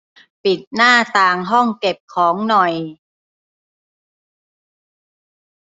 ปิดหน้าต่างห้องเก็บของหน่อย